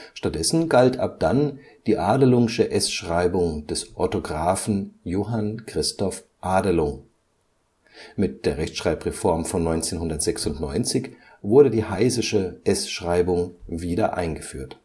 Stattdessen galt ab dann die Adelungsche s-Schreibung des Orthographen Johann Christoph Adelung. Mit der Rechtschreibreform von 1996 wurde die Heysesche s-Schreibung wiedereingeführt